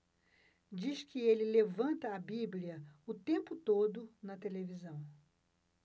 diz que ele levanta a bíblia o tempo todo na televisão